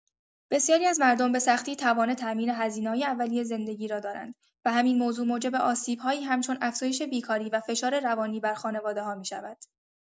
بسیاری از مردم به‌سختی توان تامین هزینه‌های اولیه زندگی را دارند و همین موضوع موجب آسیب‌هایی همچون افزایش بیکاری و فشار روانی بر خانواده‌ها می‌شود.